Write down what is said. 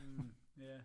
Hmm, ie.